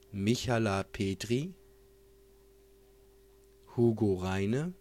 Michala Petri Hugo Reyne